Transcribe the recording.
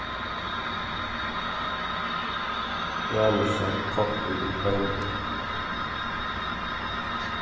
janusa koppur er tómur